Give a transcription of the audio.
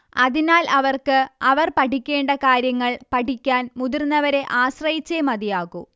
അതിനാൽ അവർക്ക് അവർ പഠിക്കേണ്ട കാര്യങ്ങൾ പഠിക്കാൻ മുതിർന്നവരെ ആശ്രയിച്ചേ മതിയാകൂ